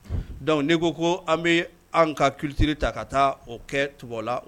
Dɔnku ne ko ko an bɛ an ka kitiri ta ka taa o kɛ tu la